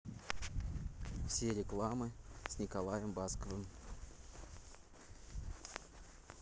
все рекламы с николаем басковым